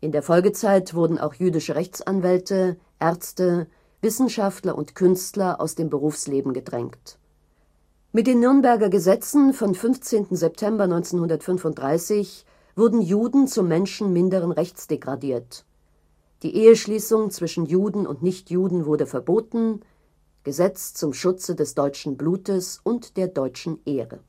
der Folgezeit wurden auch jüdische Rechtsanwälte, Ärzte, Wissenschaftler und Künstler aus dem Berufsleben gedrängt. Mit den Nürnberger Gesetzen vom 15. September 1935 wurden Juden zu Menschen minderen Rechts degradiert; die Eheschließung zwischen Juden und Nichtjuden wurde verboten („ Gesetz zum Schutze des deutschen Blutes und der deutschen Ehre